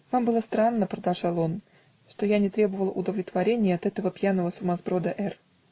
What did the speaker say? -- Вам было странно, -- продолжал он, -- что я не требовал удовлетворения от этого пьяного сумасброда Р***.